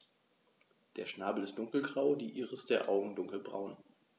Der Schnabel ist dunkelgrau, die Iris der Augen dunkelbraun.